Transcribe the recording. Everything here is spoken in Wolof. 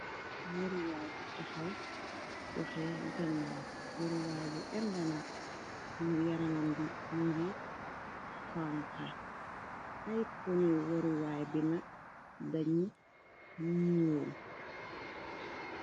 Waruwaay bu taxaw joxe ganna waruwaay bu imrana mu yaramam b mu ngi xonxa ay punuy waruwaay bi nag dañu ñyuul.